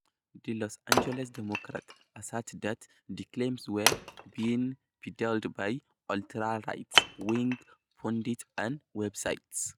The Los Angeles Democrat asserted that the claims were being pedaled by "ultra-right wing" pundits and websites.